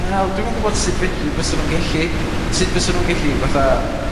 Wel dwi'm yn gwbod sut fedru fyswn nw'n gellu, sud fyswn nw'n gellu fatha